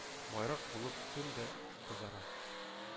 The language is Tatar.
Байрак булып көн дә кызара.